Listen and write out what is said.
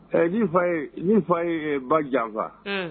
Fa ni fa ye ba janfa